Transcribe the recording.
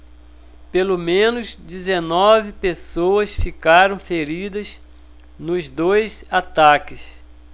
pelo menos dezenove pessoas ficaram feridas nos dois ataques